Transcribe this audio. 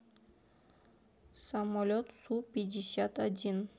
самолет су пятьдесят один